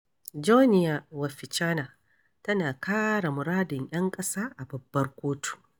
Joenia Wapichana tana kare muradun 'yan ƙasa a Babbar Kotu.